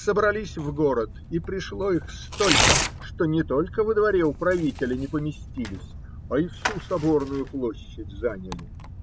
Собрались в город, и пришло их столько, что не только во дворе у правителя не поместились, а и всю соборную площадь заняли.